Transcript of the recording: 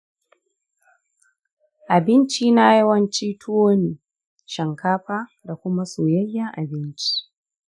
abinci na yawanci tuwo ne, shinkafa, da kuma soyayyan abinci.